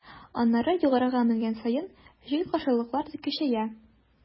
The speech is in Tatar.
Аннары, югарыга менгән саен, җил-каршылыклар да көчәя.